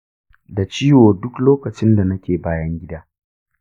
da ciwo duk lokacin da nake bayan gida.